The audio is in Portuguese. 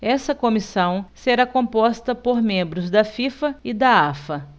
essa comissão será composta por membros da fifa e da afa